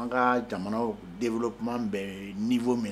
An ka jamana denolokuma bɛ nifɔ minɛ